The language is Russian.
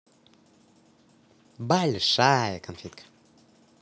большая конфетка